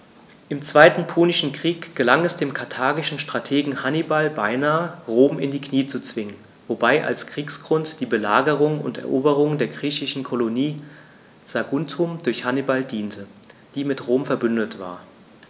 Im Zweiten Punischen Krieg gelang es dem karthagischen Strategen Hannibal beinahe, Rom in die Knie zu zwingen, wobei als Kriegsgrund die Belagerung und Eroberung der griechischen Kolonie Saguntum durch Hannibal diente, die mit Rom „verbündet“ war.